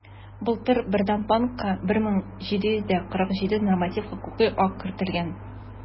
Былтыр Бердәм банкка 1747 норматив хокукый акт кертелгән.